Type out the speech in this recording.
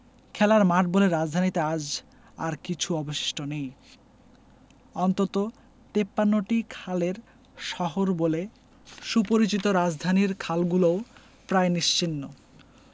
খেলার মাঠ বলে রাজধানীতে আজ আর কিছু অবশিষ্ট নেই অন্তত ৫৩টি খালের শহর বলে সুপরিচিত রাজধানীর খালগুলোও প্রায় নিশ্চিহ্ন